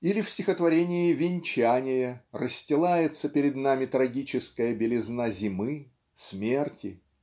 Или в стихотворении "Венчание" расстилается перед нами трагическая белизна Зимы Смерти